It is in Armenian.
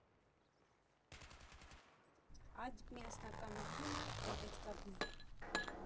Այդ միասնականությունը՝ գեղեցկագույն։